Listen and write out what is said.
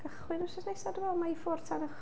Cychwyn wsos nesa, dwi'n meddwl mae hi ffwrdd tan y ch-...